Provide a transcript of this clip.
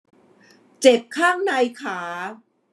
เจ็บข้างในขา